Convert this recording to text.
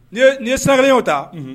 N ye sina kelenw ta